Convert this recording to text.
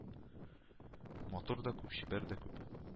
Матур да күп, чибәр дә күп